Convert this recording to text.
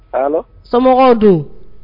Allo . So mɔgɔw don?